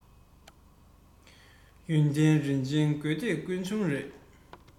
ཡོན ཏན རིན ཆེན དགོས འདོད ཀུན འབྱུང རེད